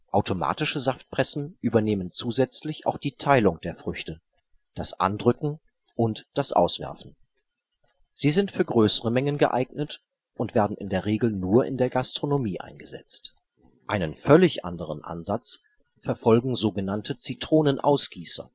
Automatische Saftpressen übernehmen zusätzlich auch die Teilung der Früchte, das Andrücken und das Auswerfen. Sie sind für größere Mengen geeignet und werden in der Regel nur in der Gastronomie eingesetzt. Einen völlig anderen Ansatz verfolgen so genannte Zitronenausgießer